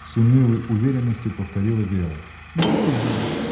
— с унылой уверенностью повторила Вера. — Можно!